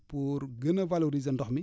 pour gën a valoriser :frandox mi